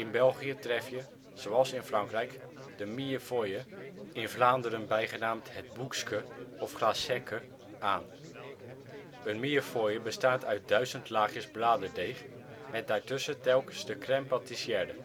België tref je zoals in Frankrijk de " millefeuille ", in Vlaanderen bijgenaamd het boekske of glacéke, aan. Een millefeuille bestaat uit duizend laagjes bladerdeeg, met daartussen telkens de crème patissière